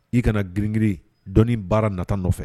I kana giriniiri dɔn baara nata nɔfɛ